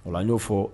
Ola n y'o fɔ